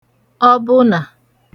ọbụnà